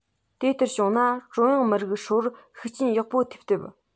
དེ ལྟར བྱུང ན ཀྲུང ཧྭ མི རིགས ཧྲིལ པོར ཤུགས རྐྱེན ཡག པོ ཐེབས ཐུབ